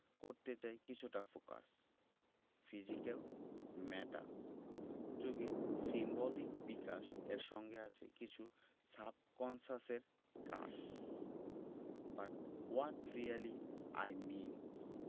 করতে চাই কিছুটা ফোকাস ফিজিক্যাল মেটা যোগে সিম্বলিক বিকাশ এর সঙ্গে আছে কিছু সাবকন্সাসের কাশ but what really I mean